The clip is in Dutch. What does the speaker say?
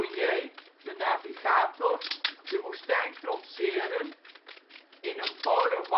Uljee (navigator) de woestijn trotseren in een Bowler